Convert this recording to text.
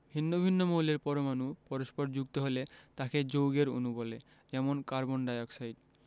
ভিন্ন ভিন্ন মৌলের পরমাণু পরস্পর যুক্ত হলে তাকে যৌগের অণু বলে যেমন কার্বন ডাই অক্সাইড